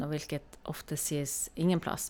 Og hvilket ofte sies ingen plass.